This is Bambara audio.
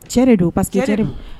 Cɛ don